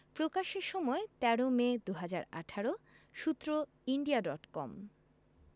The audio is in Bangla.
প্রকাশের সময় ১৩ মে ২০১৮ সূত্র ইন্ডিয়া ডট কম